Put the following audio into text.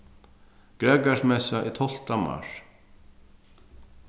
grækarismessa er tólvta mars